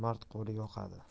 nomard qo'li yoqada